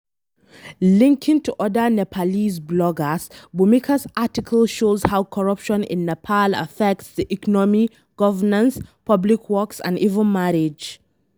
Linking to other Nepalese bloggers, Bhumika's article shows how corruption in Nepal affects the economy, governance, public works, and even marriage.